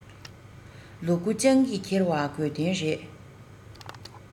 ལུ གུ སྤྱང ཀིས འཁྱེར བ དགོས བདེན རེད